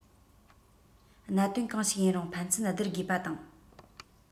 གནད དོན གང ཞིག ཡིན རུང ཕན ཚུན སྡུར དགོས པ དང